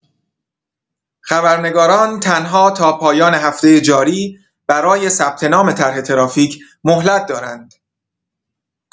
خبرنگاران تنها تا پایان هفته جاری برای ثبت‌نام طرح ترافیک مهلت دارند.